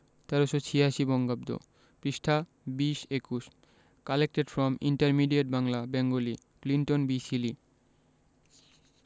১৩৮৬ বঙ্গাব্দ পৃষ্ঠা ২০ ২১ collected from intermediate Bangla Bengali Clinton B Seely